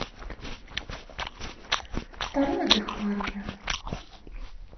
второе дыхание